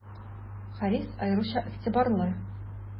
Харис аеруча игътибарлы.